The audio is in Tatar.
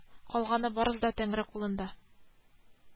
Калганы барыбызда тәңре кулында